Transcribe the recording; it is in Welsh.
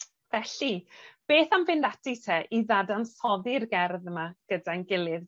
Felly beth am fynd ati 'te i ddadansoddi'r gerdd yma gydain gilydd?